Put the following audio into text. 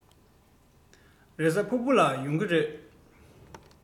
རེས གཟའ ཕུར བུ ལ ཡོང གི རེད